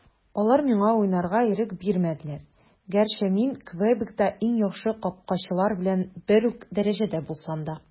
Алар миңа уйнарга ирек бирмәделәр, гәрчә мин Квебекта иң яхшы капкачылар белән бер үк дәрәҗәдә булсам да.